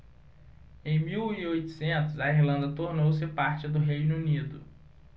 em mil e oitocentos a irlanda tornou-se parte do reino unido